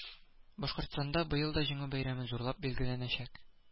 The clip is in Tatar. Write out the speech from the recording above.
Башкортстанда быел да Җиңү бәйрәме зурлап билгеләнәчәк